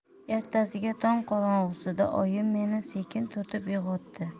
ertasiga tong qorong'isida oyim meni sekin turtib uyg'otdi